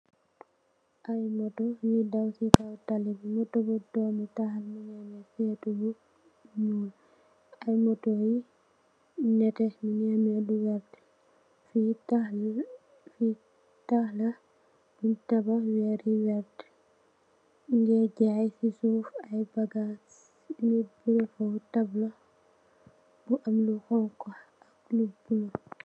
Aiiy motor yui daw cii kaw tali bii, motor bu dormu taal mungy ameh sehtu bu njull, aiiy motor yu nehteh, mungy ameh lu vertue, fii taah, fii taakh la bungh tabakh wehrre yu wertue, mungeh jaii cii suff aiiy bagass, nju wehrre fofu tableau bu am lu honhu ak lu bleu.